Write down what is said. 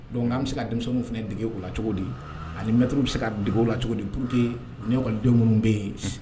Donc an bɛ se ka denmisɛnninw fana dege o la cogo di ,,ani maitres bɛ se ka dege o la cogo di pour que u ni ɛkɔlidenw denw minnu bɛ yen